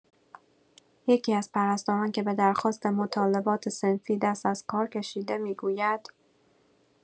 یکی‌از پرستاران که به درخواست مطالبات صنفی دست از کار کشیده می‌گوید